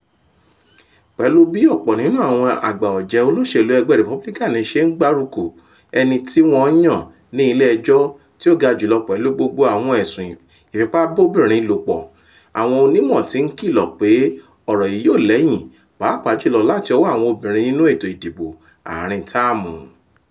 Pẹ̀lú bí ọ̀pọ̀ nínú àwọn àgbà ọ̀jẹ̀ olóṣèlú ẹgbẹ́ republican ṣe ń gbárùkù ẹni tí wọ́n yàn ní ilé ẹjọ́ tí ó ga jù lọ pẹ̀lú gbogbo àwọn ẹ̀sùn ìfipábóbìnrin lòpọ̀, àwọn onímọ̀ tí ń kìlọ̀ pé ọ̀rọ̀ yìí yóò lẹ́yìn pàápàá jùlọ láti ọwọ́ àwọn obìnrin nínú ètò ìdìbò áàrin táàmù.